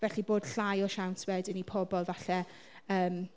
Felly bod llai o siawns wedyn i pobl falle yym...